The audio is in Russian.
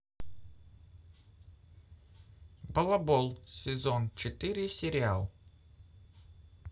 балабол сезон четыре сериал